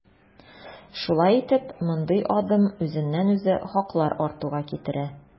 Шулай итеп, мондый адым үзеннән-үзе хаклар артуга китерә.